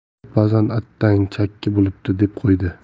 faqt bazan attang chakki bo'libdi deb qo'ydi